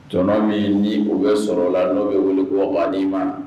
T min ni u bɛ sɔrɔ o la n'o bɛ wele koban ma na